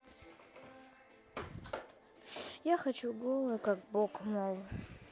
я хочу голой как бог молл